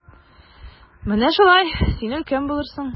Менә шулай, син өлкән булырсың.